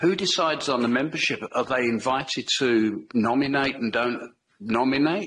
Who decides on the membership, are they invited to nominate, and don't nominate?